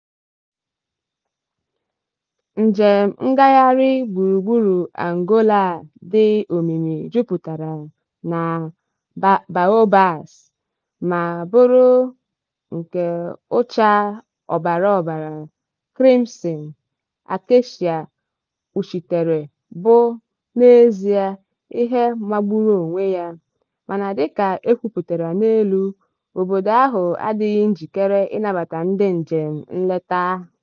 Njem ngagharị gburugburu Angola a dị omimi jupụtara na baobabs ma bụrụ nke ụcha ọbara ọbara Crimson Acacia kpuchitere bụ, n'ezie, ihe magburu onwe ya, mana dịka e kwupụtara n'elu, obodo ahụ adịghị njikere ịnabata ndị njem nleta.